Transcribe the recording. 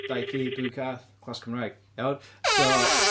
Dau ci, dwy cath, class Cymraeg. Iawn? So...